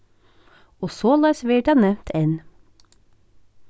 og soleiðis verður tað nevnt enn